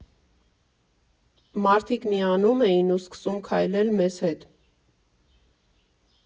Մարդիկ միանում էին ու սկսում քայլել մեզ հետ։